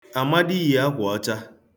Amadị yi akwa ọcha.